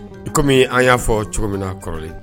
I comme an y'a fɔ cogo min na kɔrɔlen.